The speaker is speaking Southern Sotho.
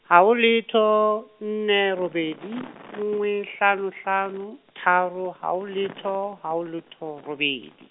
hao letho, nne robedi nngwe hlano hlano, tharo, hao letho, hao letho, robedi.